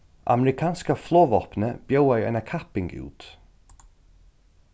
amerikanska flogvápnið bjóðaði eina kapping út